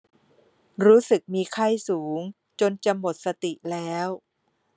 รู้สึกมีไข้สูงจนจะหมดสติแล้ว